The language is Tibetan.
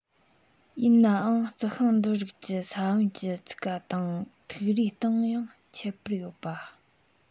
ཡིན ནའང རྩི ཤིང འདི རིགས ཀྱི ས བོན གྱི ཚུགས ཀ དང ཐིག རིས སྟེང ཡང ཁྱད པར ཡོད པ